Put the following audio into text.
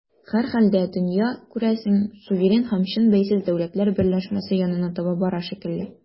Һәрхәлдә, дөнья, күрәсең, суверен һәм чын бәйсез дәүләтләр берләшмәсенә янына таба бара шикелле.